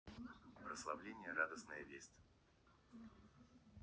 прославление радостная весть